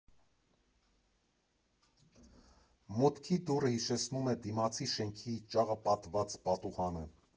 Մուտքի դուռը հիշեցնում է դիմացի շենքի ճաղապատված պատուհանը.